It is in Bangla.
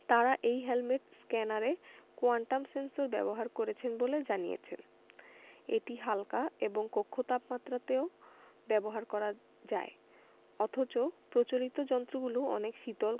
তারা এই হেলমেট স্ক্যানারে কোয়ান্টাম সেন্সর ব্যবহার করেছেন বলে জানিয়েছেন এটি হাল্কা এবং কক্ষ তাপমাত্রাতেও ব্যবহার করা যায় অথচ প্রচলিত যন্ত্রগুলো অনেক শীতল